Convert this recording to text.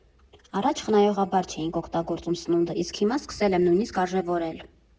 Առաջ խնայողաբար չէինք օգտագործում սնունդը, իսկ հիմա սկսել եմ նույնիկ արժևորել։